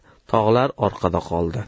tog'lar orqada qoldi